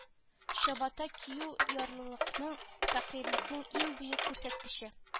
Чабата кию ярлылыкның фәкыйрьлекнең иң бөек күрсәткече